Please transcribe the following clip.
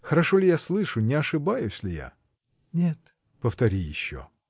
хорошо ли я слышу, не ошибаюсь ли я? — Нет. — Повтори еще.